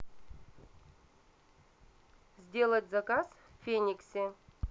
сделать заказ в фениксе